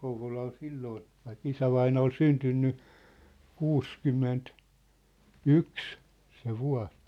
Kouvola oli silloin vaikka isävainaja oli syntynyt - kuusikymmentäyksi se vuosi